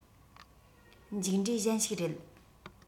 མཇུག འབྲས གཞན ཞིག རེད